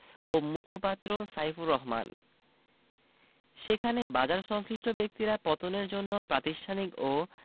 ও মুখপাত্র সাইফুর রহমান সেখানে বাজারসংশ্লিষ্ট ব্যক্তিরা পতনের জন্য প্রাতিষ্ঠানিক ও